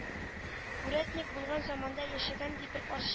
Үрәтник булган заманда яшәгән ди бер карчык